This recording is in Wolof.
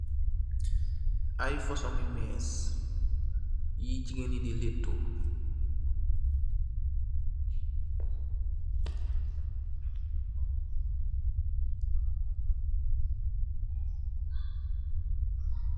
Aye fashion ngi mees, yii jigaini di laitoow.